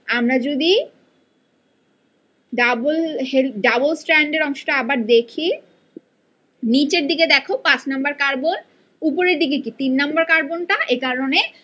আমরা যদি double strand এর অংশটা আবার দেখি নিচের দিকে দেখো পাঁচ নাম্বার কার্বন উপরের দিকে কি 3 নাম্বার কার্বন টা এ কারণে